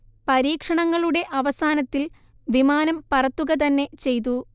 പരീക്ഷണങ്ങളുടെ അവസാനത്തിൽ വിമാനം പറത്തുകതന്നെ ചെയ്തു